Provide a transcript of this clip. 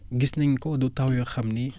gis nañ ko du taw yoo xam ni